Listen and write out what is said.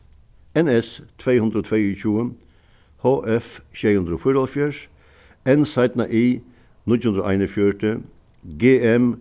n s tvey hundrað og tveyogtjúgu h f sjey hundrað og fýraoghálvfjerðs n y níggju hundrað og einogfjøruti g m